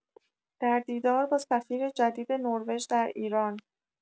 در دیدار با سفیر جدید نروژ در ایران